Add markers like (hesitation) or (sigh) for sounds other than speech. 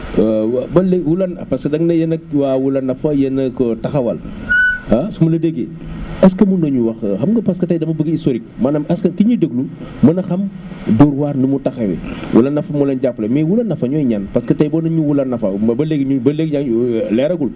(hesitation) waa ba lée wula parce que da nga ne yéen ak waa Wula Nafa yéen a ko taxawal (noise) ah su ma la déggee (noise) est ce que mën nga ñu wax (hesitation) xam nga tey parce que tey dama bëgg historique maanaam est ce que ki ñuy déglu (noise) mën a xam (noise) Dóor waar nu mu taxawee Wula Nafa moo leen jàppale mais Wula Nafa ñooy ñan parce que tey boo ne ñu Wula Nafa ma ba léegi ñun ba léegi yaa ngi (hesitation) leeragul